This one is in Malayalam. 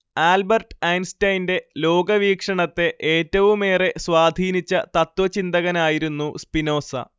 ആൽബർട്ട് ഐൻസ്റ്റൈന്റെ ലോകവീക്ഷണത്തെ ഏറ്റവുമേറെ സ്വാധീനിച്ച തത്ത്വചിന്തകനായിരുന്നു സ്പിനോസ